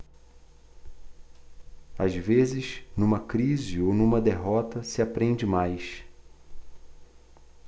às vezes numa crise ou numa derrota se aprende mais